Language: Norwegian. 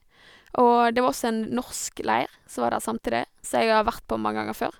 Og det var også en norsk leir som var der samtidig, som jeg har vært på mange ganger før.